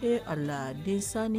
E ala den saanin ?